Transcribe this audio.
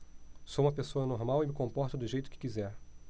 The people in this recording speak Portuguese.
sou homossexual e me comporto do jeito que quiser